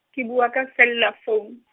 ke bua ka selulafou-.